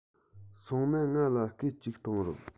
སོང ན ང ལ སྐད ཅིག གཏོང རོགས